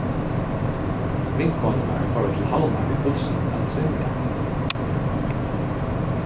vinkonurnar fóru til havnar við bussinum at svimja